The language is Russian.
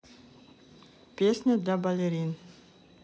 песня для балерин